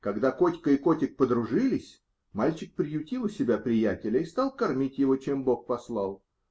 Когда Котька и котик подружились, мальчик приютил у себя приятеля и стал кормить его чем Бог послал.